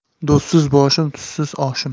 do'stsiz boshim tuzsiz oshim